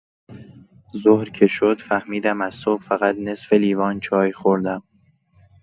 ظهر که شد، فهمیدم از صبح فقط نصف لیوان چای خوردم.